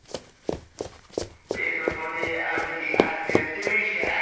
песня в исполнении artik и asti истеричка